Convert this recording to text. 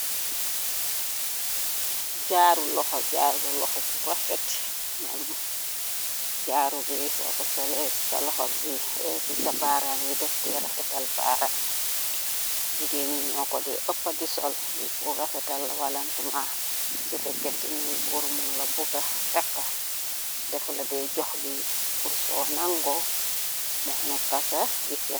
jaaru loxo jaaru loxo bu rafete noom jaaru bi soko soles ca loxob bi eeci ca barami defte rafetal bara jige ni ño ko de ëppa di sol ni bu rafetal walantuma ci fekkenti ney burmun la buga takka defla de joxli bur so nango mo nekka ca jekke.